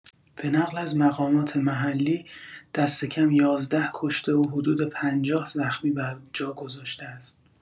به نقل از مقامات محلی «دست‌کم ۱۱ کشته و حدود پنجاه زخمی» برجا گذاشته است.